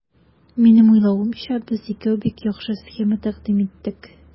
Минем уйлавымча, без икәү бик яхшы схема тәкъдим иттек.